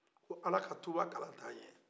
ko ala ka tuba kalan taa ɲɛ